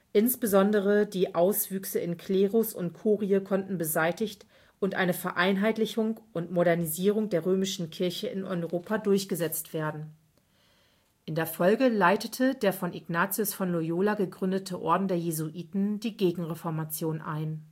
Insbesondere die Auswüchse in Klerus und Kurie konnten beseitigt und eine Vereinheitlichung und „ Modernisierung “der römischen Kirche in Europa durchgesetzt werden. In der Folge leitete der von Ignatius von Loyola gegründete Orden der Jesuiten die Gegenreformation ein